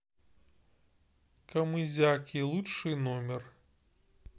камызяки лучший номер